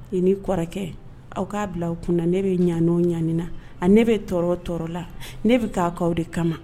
I ni kɔrɔkɛ aw k'a bila aw kunna ne bɛ ɲɛno o ɲɛni na, ne bɛ tɔɔrɔ o tɔɔrɔ la, ne bɛ k'a kɛ aw de kama